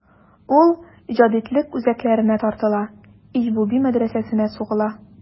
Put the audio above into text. Ул җәдитлек үзәкләренә тартыла: Иж-буби мәдрәсәсенә сугыла.